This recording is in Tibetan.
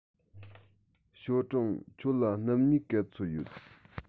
ཞའོ ཀྲང ཁྱོད ལ སྣུམ སྨྱུག ག ཚོད ཡོད